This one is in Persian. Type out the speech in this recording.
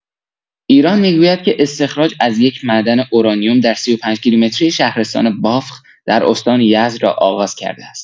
ایران می‌گوید که استخراج از یک معدن اورانیوم در ۳۵ کیلومتری شهرستان بافق در استان یزد را آغاز کرده است.